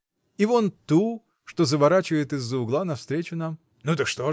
И вон ту, что заворачивает из-за угла навстречу нам? — Ну, так что же?